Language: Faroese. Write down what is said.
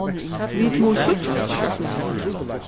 vit mugu síggjast skjótt